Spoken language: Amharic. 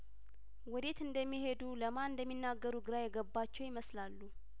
ወዴት እንደሚሄዱ ለማን እንደሚናገሩ ግራ የገባቸው ይመስላሉ